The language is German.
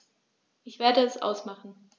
Ich werde es ausmachen